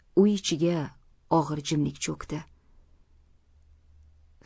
uy ichiga og'ir jimlik cho'kdi